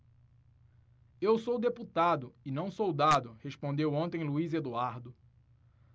eu sou deputado e não soldado respondeu ontem luís eduardo